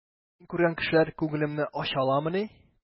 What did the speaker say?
Мин күргән кешеләр күңелемне ача аламыни?